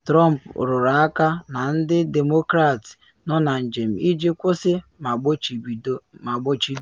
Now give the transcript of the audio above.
Trump rụrụ aka na ndị Demokrats nọ na njem iji “kwụsị ma gbochido.”